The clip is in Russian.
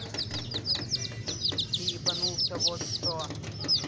ты ебанулся вот что